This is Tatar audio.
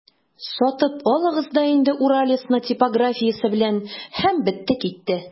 Сатып алыгыз да инде «Уралец»ны типографиясе белән, һәм бетте-китте!